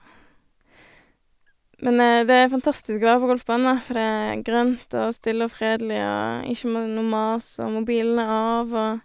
Men det er fantastisk å være på golfbanen, da, for det er grønt og stille og fredelig og ikke ma noe mas, og mobilen er av, og...